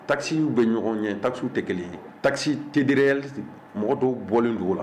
Takiw bɛ ɲɔgɔn ɲɛ takisiww tɛ kelen ye takisi tɛd mɔgɔ dɔw bɔlen dugu la